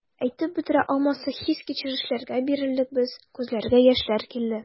Әйтеп бетерә алмаслык хис-кичерешләргә бирелдек без, күзләргә яшьләр килде.